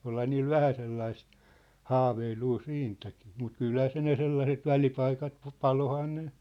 olihan niillä vähän sellaista haaveilua siitäkin mutta kyllähän se ne sellaiset välipaikat - paloihan ne